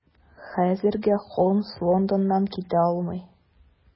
Хәзергә Холмс Лондоннан китә алмый.